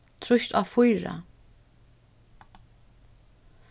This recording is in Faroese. trýst á fýra